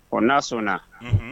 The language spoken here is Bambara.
Ɔ n'a sɔnna unhun